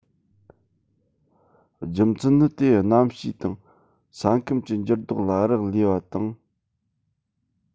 རྒྱུ མཚན ནི དེ གནམ གཤིས དང ས ཁམས ཀྱི འགྱུར ལྡོག ལ རག ལས པ དང